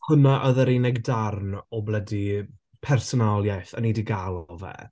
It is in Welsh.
Hwnna oedd yr unig darn o bloody personoliaeth o'n ni 'di gael o fe.